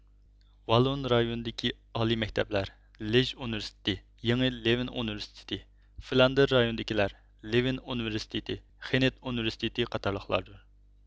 ۋاللون رايونىدىكى ئالىي مەكتەپلەر لېژ ئۇنىۋېرسىتېتى يېڭى لېۋېن ئۇنىۋېرسىتېتى فلاندېر رايونىدىكىلەر لېۋېن ئۇنىۋېرسىتېتى خېنت ئۇنىۋېرسىتېتى قاتارلىقلاردۇر